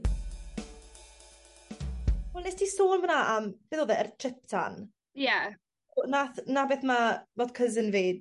Wel nest ti sôn fyna am beth o'dd e yr Triptan. Ie. W- nath 'na beth ma' ma' cousin fi